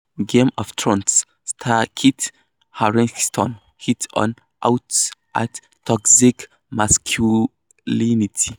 Game of Thrones star Kit Harington hits out at toxic masculinity